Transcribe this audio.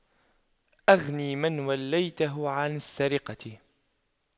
أغن من وليته عن السرقة